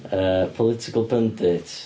Yy political pundits.